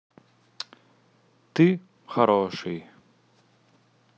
ты хороший